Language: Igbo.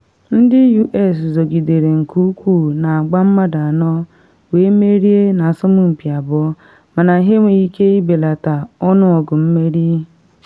Ndị US zọgidere nke ukwuu na agba mmadụ anọ, wee merie na asompi abụọ, mana ha enweghị ike ibelata ọnụọgụ mmeri.